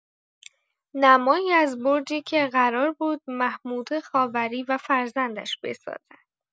نمایی از برجی که قرار بود محمود خاوری و فرزندش بسازند.